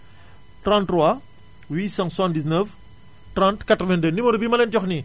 33 879 30 82 numéro bii ma leen jox nii